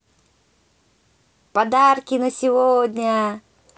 подарки на сегодня